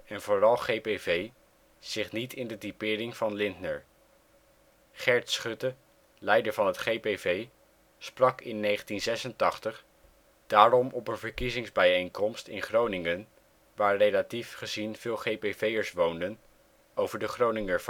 en vooral GPV zich niet in de typering van Lindner. Gert Schutte, leider van het GPV, sprak in 1986 daarom op een verkiezingsbijeenkomst in Groningen, waar relatief gezien veel GPV'ers woonden, over de Groninger